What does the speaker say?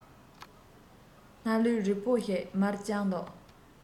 སྣ ལུད རིད པོ ཞིག མར བཅངས འདུག